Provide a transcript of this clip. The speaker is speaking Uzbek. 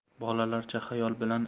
bolalarcha xayol bilan